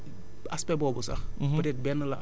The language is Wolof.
te ci aspect boobu sax